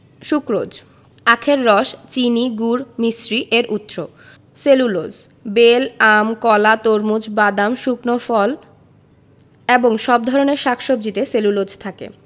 sucrose আখের রস চিনি গুড় মিছরি এর উৎস সেলুলোজ বেল আম কলা তরমুজ বাদাম শুকনো ফল এবং সব ধরনের শাক সবজিতে সেলুলোজ থাকে